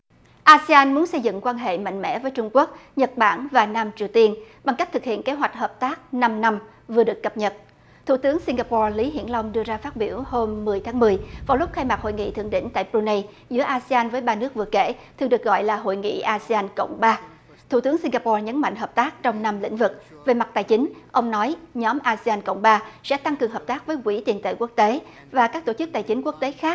a si an muốn xây dựng quan hệ mạnh mẽ với trung quốc nhật bản và nam triều tiên bằng cách thực hiện kế hoạch hợp tác năm năm vừa được cập nhật thủ tướng sinh ga pho lý hiển long đưa ra phát biểu hôm mười tháng mười vào lúc khai mạc hội nghị thượng đỉnh tại bờ ru nây giữa a si an với ba nước vừa kể thường được gọi là hội nghị a si an cộng ba thủ tướng sinh ga pho nhấn mạnh hợp tác trong năm lĩnh vực về mặt tài chính ông nói nhóm a si an cộng ba sẽ tăng cường hợp tác với quỹ tiền tệ quốc tế và các tổ chức tài chính quốc tế khác